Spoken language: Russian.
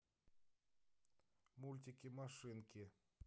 мультики машинки